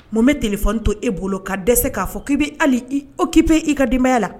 Mun bɛ t to e bolo ka dɛsɛ k'a fɔ k'ibi hali o k'ip i ka denbaya la